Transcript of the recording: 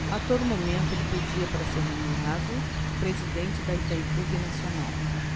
a todo momento ele pedia para ser nomeado presidente de itaipu binacional